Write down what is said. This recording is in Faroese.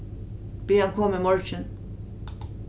bið hann koma í morgin